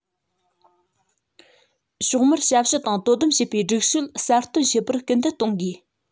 ཕྱོགས མིར ཞབས ཞུ དང དོ དམ བྱེད པའི སྒྲིག སྲོལ གསར གཏོད བྱེད པར སྐུལ འདེད གཏོང དགོས